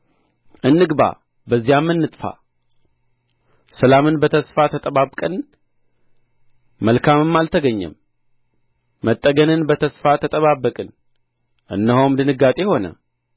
እንግባ በዚያም እንጥፋ ሰላምን በተስፋ ተጠባበቅን መልካምም አልተገኘም መጠገንን በተስፋ ተጠባበቅን እነሆም ድንጋጤ ሆነ